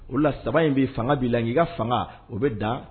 O la saba in b'i fanga b'i la n'i ka fanga o bɛ dan